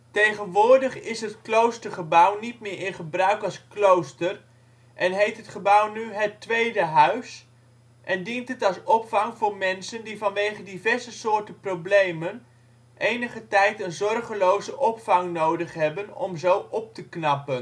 Tegenwoordig is het kloostergebouw niet meer in gebruik als klooster en heet het gebouw " Het Tweede Huis " en dient het als opvang voor mensen die vanwege diverse soorten problemen enige tijd een zorgeloze opvang nodig hebben. In